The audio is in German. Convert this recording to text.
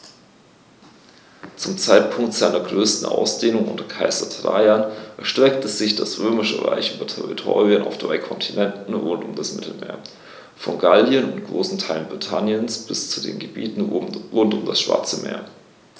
Zum Zeitpunkt seiner größten Ausdehnung unter Kaiser Trajan erstreckte sich das Römische Reich über Territorien auf drei Kontinenten rund um das Mittelmeer: Von Gallien und großen Teilen Britanniens bis zu den Gebieten rund um das Schwarze Meer.